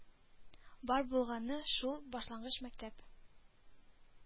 Бар булганы шул башлангыч мәктәп.